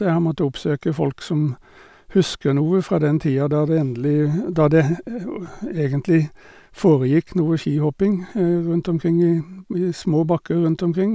Jeg har måttet oppsøke folk som husker noe fra den tida da det endelig da det egentlig foregikk noe skihopping rundt omkring i i små bakker rundt omkring.